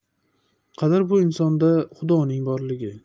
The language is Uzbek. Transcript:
qadr bu insonda xudoning borligi